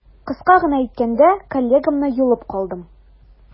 Кыска гына әйткәндә, коллегамны йолып калдым.